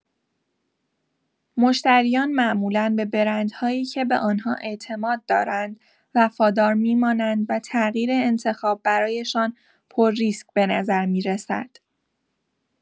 مشتریان معمولا به برندهایی که به آن‌ها اعتماد دارند وفادار می‌مانند و تغییر انتخاب برایشان پرریسک به نظر می‌رسد.